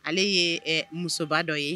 Ale ye musoba dɔ ye